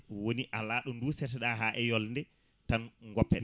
woni ala ɗo duseteɗa ha holde tan goppeɗa